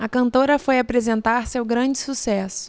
a cantora foi apresentar seu grande sucesso